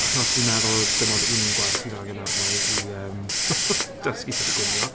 Achos fi'n meddwl dim ond un gwers sydd angen arna i yym dysgu sut i gwnïo.